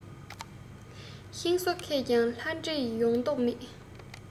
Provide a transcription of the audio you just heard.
ཤིང བཟོ མཁས ཀྱང ལྷ བྲིས ཡོང མདོག མེད